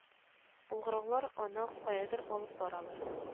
Болгарлар аны каядыр алып баралар